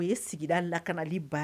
O ye lakli